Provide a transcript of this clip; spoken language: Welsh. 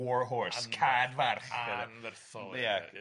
war horse cad farch... Anferthol... ia